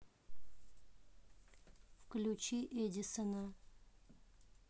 включи эдиссона